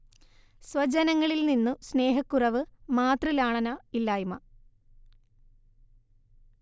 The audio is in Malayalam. സ്വജനങ്ങളിൽ നിന്നു സ്നേഹക്കുറവ്, മാതൃലാളന ഇല്ലായ്മ